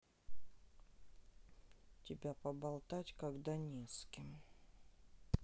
тебя поболтать когда не с кем